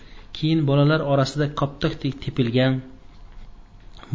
keyin bolalar orasida koptokday tepilgan